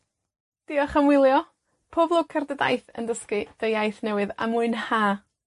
Diolch am wylio, pob lwc ar dy daith yn dysgu dy iaith newydd, a mwynha!